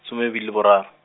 some bedi le boraro.